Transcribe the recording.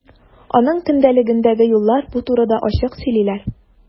Аның көндәлегендәге юллар бу турыда ачык сөйлиләр.